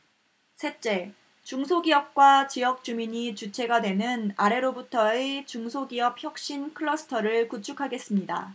셋째 중소기업과 지역주민이 주체가 되는 아래로부터의 중소기업 혁신 클러스터를 구축하겠습니다